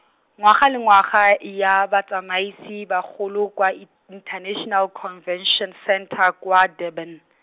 ngwaga le ngwaga ya batsamaisi bagolo kwa, It- International Convention Centre kwa Durban.